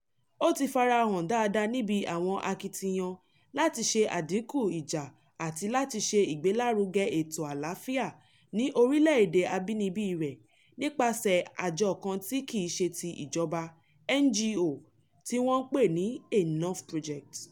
Ó ti fara hàn dáadáa níbi àwọn akitiyan láti ṣe àdínkù ìjà àti láti ṣe ìgbélárugẹ ètò àlàáfíà ní orílẹ̀-èdè abínibí rẹ̀ nípasẹ̀ Àjọ kan tí kìí se ti ìjọba (NGO) tí wọn ń pè ní Enough Project.